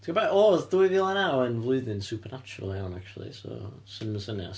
Ti'n gwybod be, oedd dwy fil a naw yn flwyddyn supernatural iawn acshyli. So byswn i ddim yn synnu os...